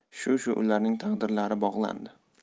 shu shu ularning taqdirlari bog'landi